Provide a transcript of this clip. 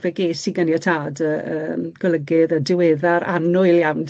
fe ges i ganiatâd yy yym golygydd y diweddar annwyl iawn